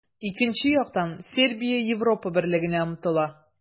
Икенче яктан, Сербия Европа Берлегенә омтыла.